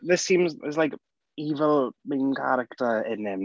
There seems... there's like evil main character in him.